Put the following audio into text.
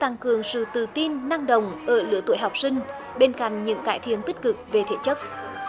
tăng cường sự tự tin năng động ở lứa tuổi học sinh bên cạnh những cải thiện tích cực về thể chất